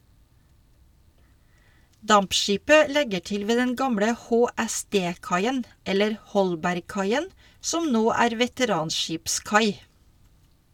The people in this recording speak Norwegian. Dampskipet legger til ved den gamle HSD-kaien - eller Holbergkaien - som nå er veteranskipskai.